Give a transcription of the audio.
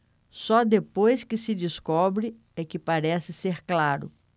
só depois que se descobre é que parece ser claro